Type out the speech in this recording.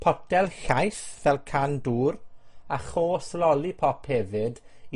potel llaeth fel can dŵr, a cho's lollypop hefyd i